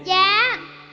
dạ